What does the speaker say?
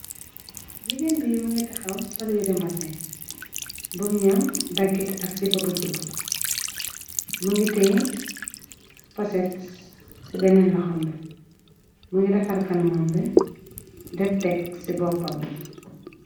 Jigéen bi mëngite xaw solirembasé bu ñaw daggit. Ak sifa bu guddu më ngite poset ci beneen loxambe. Mu ngite farkanamambe def tekk ci boppambi.